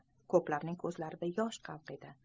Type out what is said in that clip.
ko'plarning ko'zlarida yosh qalqiydi